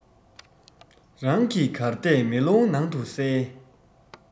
རང གིས གར བལྟས མེ ལོང ནང དུ གསལ